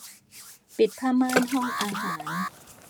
ปิดผ้าม่านห้องอาหาร